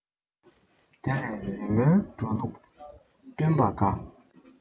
དེ ལས རི མོའི འགྲོ ལུགས བསྟུན པ དགའ